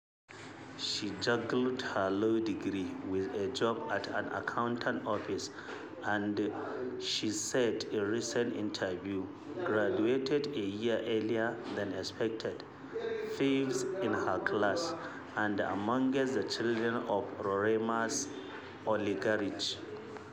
She juggled her law degree with a job at an accountant’s office and, she said in a recent interview, graduated a year earlier than expected, fifth in her class, and amongst the children of Roraima's oligarchy.